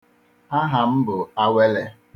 Aha m bụ Awele.